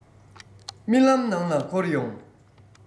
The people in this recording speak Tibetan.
རྨི ལམ ནང ལ འཁོར ཡོང